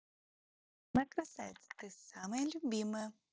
любимая красавица ты самая любимая